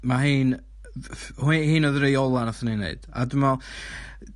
...ma rhein yy dd- whei- rhein oedd y rei ola nathon ni neud a dwi me'wl